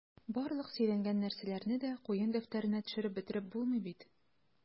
Барлык сөйләнгән нәрсәләрне дә куен дәфтәренә төшереп бетереп булмый бит...